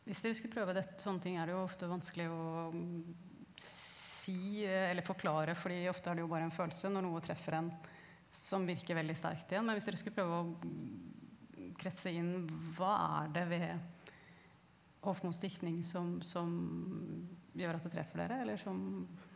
hvis dere skulle prøve å sånne ting er det jo ofte vanskelig å si eller forklare fordi ofte er det jo bare en følelse når noe treffer en som virker veldig sterkt igjen, men hvis dere skulle prøve å kretse inn hva er det ved Hofmos diktning som som gjør at det treffer dere eller som .